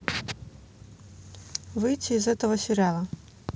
выйти из этого сериала